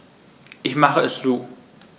Ich mache es zu.